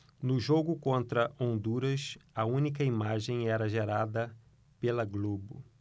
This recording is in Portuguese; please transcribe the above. no jogo contra honduras a única imagem era gerada pela globo